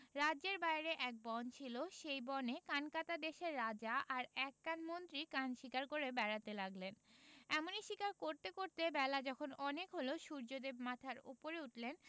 রাজ্যের বাইরে এক বন ছিল সেই বনে কানকাটা দেশের রাজা আর এক কান মন্ত্রী কান শিকার করে বেড়াতে লাগলেন এমনি শিকার করতে করতে বেলা যখন অনেক হল সূর্যদেব মাথার উপর উঠলেন